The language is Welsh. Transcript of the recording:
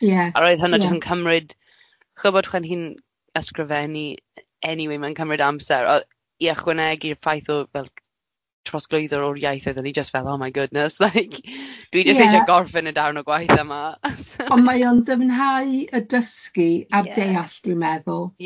Ie, ie. A roedd hynna jyst yn cymryd, chibod pan chi'n ysgrifennu, anyway, mae'n cymryd amser o i ychwanegu'r ffaith o fel c-. trosglwyddo o'r iaith oeddwn i jyst fel oh my goodness like dwi jyst... Ie. ...eisiau gorffen yn darn o gwaith yma so... Ond mae o'n dyfnhau y dysgu ar... Ie. ...deall dwi'n meddwl.